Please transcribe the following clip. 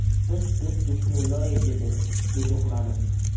bis bis bismillo dedi duduqlanib